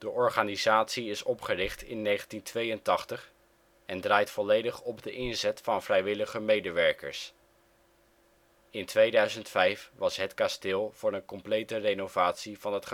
organisatie is opgericht in 1982 en draait volledig op de inzet van vrijwillige medewerkers. In 2005 was Het Kasteel voor een complete renovatie van het